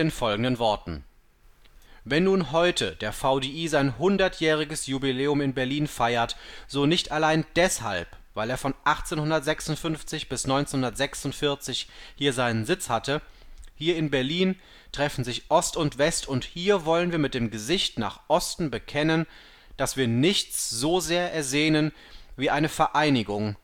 folgenden Worten: „ Wenn nun heute der VDI sein hundertjähriges Jubiläum in Berlin feiert, so nicht allein deshalb, weil er von 1856 bis 1946 hier seinen Sitz hatte; hier in Berlin treffen sich Ost und West, und hier wollen wir mit dem Gesicht nach Osten bekennen, daß wir nichts so sehr ersehnen wie eine Vereinigung